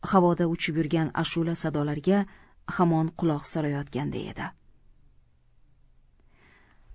u havoda uchib yurgan ashula sadolariga hamon quloq solayotgandek edi